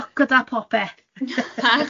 Bob lwc gyda popeth.